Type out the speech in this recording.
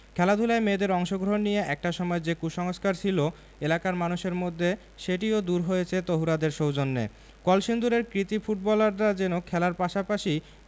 খেলাধুলায় মেয়েদের অংশগ্রহণ নিয়ে একটা সময় যে কুসংস্কার ছিল এলাকার মানুষের মধ্যে সেটিও দূর হয়েছে তহুরাদের সৌজন্যে কলসিন্দুরের কৃতী ফুটবলাররা যেন খেলার পাশাপাশি